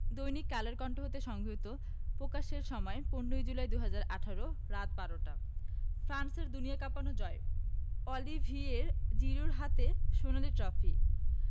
দৈনিক কালের কন্ঠ হতে সংগৃহীত প্রকাশের সময় ১৫ জুলাই ২০১৮ রাত ১২টা ফ্রান্সের দুনিয়া কাঁপানো জয় অলিভিয়ের জিরুর হাতে সোনালি ট্রফি